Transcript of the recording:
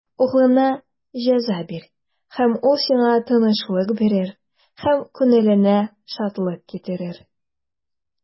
Углыңа җәза бир, һәм ул сиңа тынычлык бирер, һәм күңелеңә шатлык китерер.